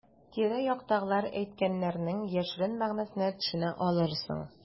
Тирә-яктагылар әйткәннәрнең яшерен мәгънәсенә төшенә алырсың.